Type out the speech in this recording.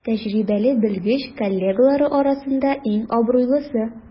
Тәҗрибәле белгеч коллегалары арасында иң абруйлысы.